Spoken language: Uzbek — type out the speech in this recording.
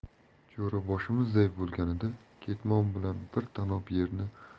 jo'raboshimizday bo'lganida ketmon bilan bir